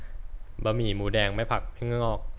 บะหมี่หมูแดงไม่ผักไม่งอก